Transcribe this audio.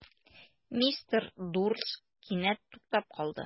Мистер Дурсль кинәт туктап калды.